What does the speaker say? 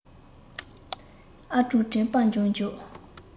ཨ དྲུང དྲེལ པ མགྱོགས མགྱོགས